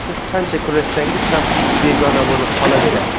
siz qancha kurashsangiz ham begona bo'lib qolaveradi